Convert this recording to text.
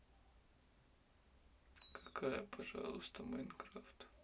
какая пожалуйста minecraft